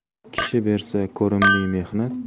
kishi bersa ko'rimli